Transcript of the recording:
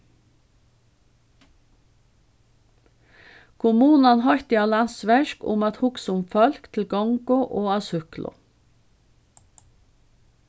kommunan heitti á landsverk um at hugsa um fólk til gongu og á súkklu